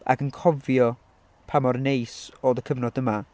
ac yn cofio pan mor neis oedd y cyfnod yma.